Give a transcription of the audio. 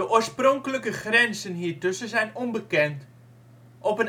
oorspronkelijke grenzen hiertussen zijn onbekend; op